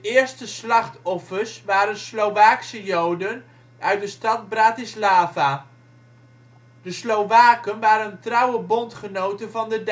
eerste slachtoffers waren Slowaakse Joden uit de stad Bratislava. De Slowaken waren trouwe bondgenoten van de